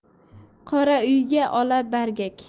qora uyga ola bargak